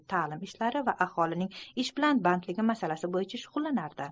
talim ishlari va aholining ish bilan bandligi masalasi bo'yicha shug'ullanar edi